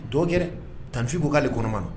Dɔwɛrɛ tanfinko k'ale kɔnɔnaman na